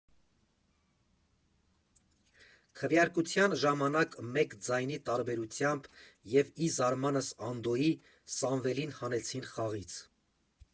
Քվեարկության ժամանակ մեկ ձայնի տարբերությամբ և ի զարմանս Անդոյի, Սամվելին հանեցին խաղից։